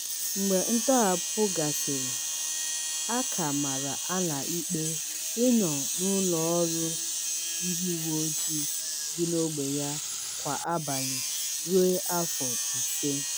Mgbe ntọhapụ gasịrị, a ka mara Alaa ikpe ịnọ n'ụlọ ọrụ ndị uwe ojii dị n'ogbe ya kwa abalị ruo "afọ ise".